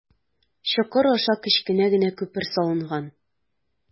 Чокыр аша кечкенә генә күпер салынган.